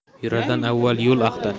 yurardan avval yo'l axtar